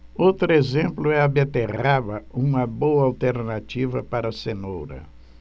outro exemplo é a beterraba uma boa alternativa para a cenoura